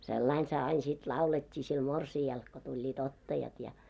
sellainen se aina sitten laulettiin sille morsiamelle kun tulivat ottajat ja